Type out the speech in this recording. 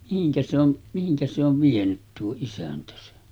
mihinkä se on mihinkä se on vienyt tuo isäntä sen